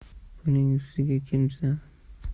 buning ustiga kimsan